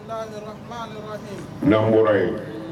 N bɔra ye